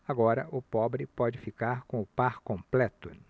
agora o pobre pode ficar com o par completo